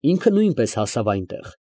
Ինքը նույնպես հասավ այնտեղ։